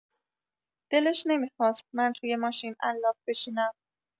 دلش نمی‌خواست من توی ماشین علاف بشینم.